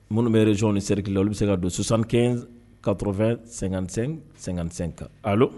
Minnu bɛ sonni seliriki la olu bɛ se ka don sosankɛ katɔfɛsen kan a